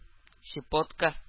Щепотка